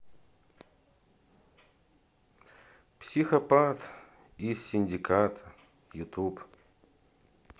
психопат из синдиката ютуб